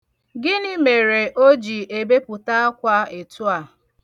Gịnị mere o ji ebepụ̀ta akwa etu a?